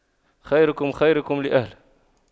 خيركم خيركم لأهله